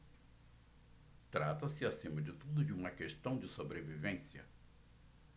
trata-se acima de tudo de uma questão de sobrevivência